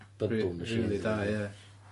Budboom machine. Rili da, ie.